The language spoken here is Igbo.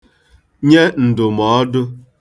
nye ǹdụ̀mọdụ